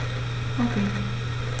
Okay.